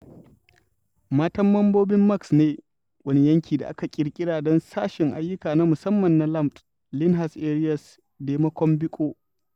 Matan mambobin MEX ne, wani yanki da aka ƙirƙira don Sashen Ayyukan na Musamman na LAM - Linhas Aereas de Mocambiƙue.